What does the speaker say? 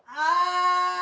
á